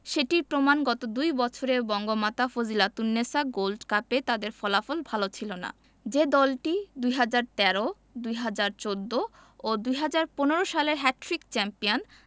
সেটির প্রমাণ গত দুই বছরে বঙ্গমাতা ফজিলাতুন্নেছা গোল্ড কাপে তাদের ফলাফল ভালো ছিল না যে দলটি ২০১৩ ২০১৪ ও ২০১৫ সালে হ্যাটট্রিক চ্যাম্পিয়ন